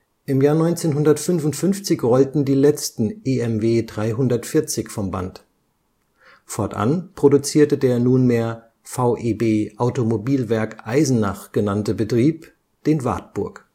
1955 rollten die letzten EMW 340 vom Band. Fortan produzierte der nunmehr VEB Automobilwerk Eisenach genannte Betrieb den Wartburg